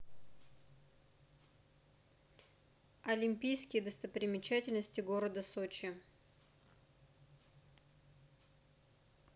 олимпийские достопримечательности города сочи